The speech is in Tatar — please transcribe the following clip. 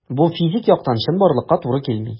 Бу физик яктан чынбарлыкка туры килми.